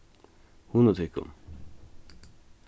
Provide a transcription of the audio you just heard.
hugnið tykkum